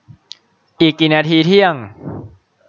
อีกกี่นาทีเที่ยง